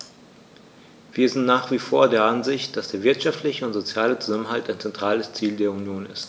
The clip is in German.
Wir sind nach wie vor der Ansicht, dass der wirtschaftliche und soziale Zusammenhalt ein zentrales Ziel der Union ist.